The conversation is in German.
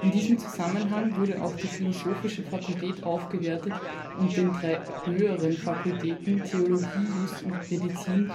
diesem Zusammenhang wurde auch die Philosophische Fakultät aufgewertet und den drei „ höheren “Fakultäten (Theologie, Jus, Medizin) gleichgestellt